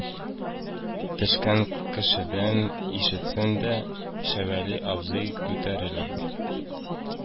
Төшкән кешедән ишетсә дә, шәвәли абзый күтәрелеп